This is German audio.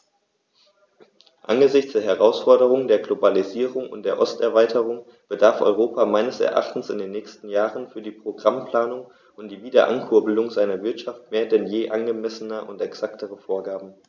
Angesichts der Herausforderung der Globalisierung und der Osterweiterung bedarf Europa meines Erachtens in den nächsten Jahren für die Programmplanung und die Wiederankurbelung seiner Wirtschaft mehr denn je angemessener und exakter Vorgaben.